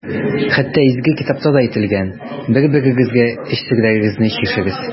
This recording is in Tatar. Хәтта Изге китапта да әйтелгән: «Бер-берегезгә эч серләрегезне чишегез».